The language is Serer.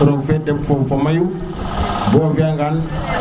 roog fe deɓ fofa mayu bo o fiya ngaan